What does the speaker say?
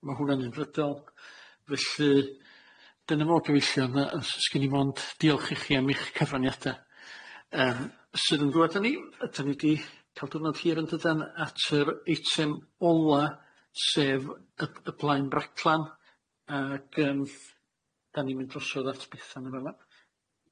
Ma' hwnna'n unfrydol felly, dyna fo' gyfeillion yy s- sgin i mond diolch i chi am eich cyfraniada yym sydd yn ddod â ni ydyn ni di ca'l diwrnod hir yn dydan at yr eitem ola sef y b- y blaen raglan ag yym dan ni'n mynd drosodd at Bethan yn fana